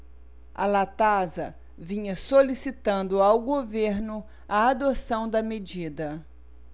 a latasa vinha solicitando ao governo a adoção da medida